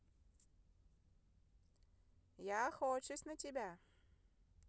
я хочусь на тебя